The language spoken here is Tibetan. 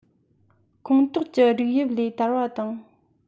ཁོངས གཏོགས ཀྱི རིགས དབྱིབས ལས དར བ དང